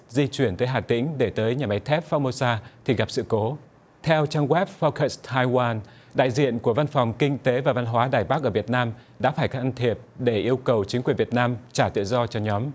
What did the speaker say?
di chuyển tới hà tĩnh để tới nhà máy thép phô mô sa thì gặp sự cố theo trang ép pho cựt tai oan đại diện của văn phòng kinh tế và văn hóa đài bắc ở việt nam đã phải can thiệp để yêu cầu chính quyền việt nam trả tự do cho nhóm